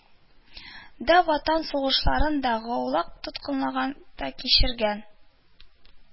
Да, ватан сугышларын да, гулаг тоткынлыгын да кичергән,